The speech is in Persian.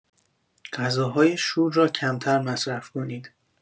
غذاهای شور را کمتر مصرف کنید.